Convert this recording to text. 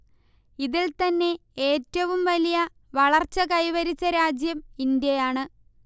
ഇതിൽ തന്നെ ഏറ്റവും വലിയ വളർച്ച കൈവരിച്ച രാജ്യം ഇന്ത്യയാണ്